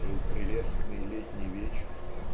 "Был прелестный летний вечер.